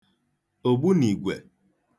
ògbunìgwè